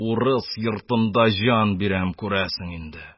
Урыс йортында жан бирәм, күрәсең, инде,